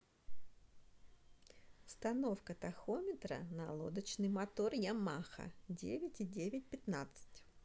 установка тахометра на лодочный мотор ямаха девять и девять пятнадцать